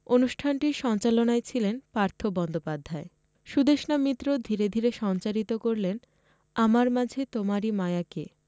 অনুষ্ঠানটির সঞ্চালনায় ছিলেন পার্থ বন্দ্যোপাধ্যায় সুদেষণা মিত্র ধীরে ধীরে সঞ্চারিত করলেন আমার মাঝে তোমারি মায়াকে